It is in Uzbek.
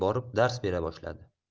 borib dars bera boshladi